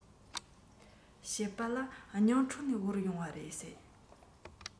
བཤད པ ལ ཉིང ཁྲི ནས དབོར ཡོང བ རེད ཟེར